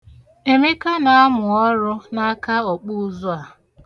Emeka na-amụ ọrụ n'aka ọkpụụzụ a.